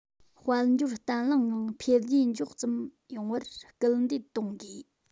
དཔལ འབྱོར བརྟན བརླིང ངང འཕེལ རྒྱས མགྱོགས ཙམ ཡོང བར སྐུལ འདེད གཏོང དགོས